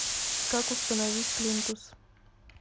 как установить плинтус